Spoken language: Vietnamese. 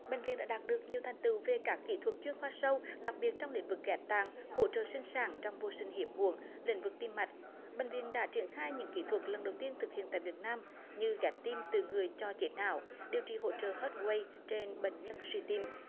bệnh viện đã đạt được nhiều thành tựu về các kỹ thuật chuyên khoa sâu đặc biệt trong lĩnh vực ghép tạng hỗ trợ sinh sản trong vô sinh hiếm muộn lĩnh vực tim mạch bệnh viện đã triển khai những kỹ thuật lần đầu tiên thực hiện tại việt nam như ghép tim từ người cho chết não điều trị hỗ trợ hớt guây trên bệnh nhân suy tim